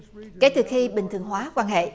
kể từ khi bình thường hóa quan hệ